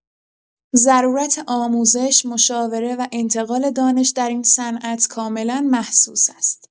ضرورت آموزش، مشاوره و انتقال دانش در این صنعت کاملا محسوس است.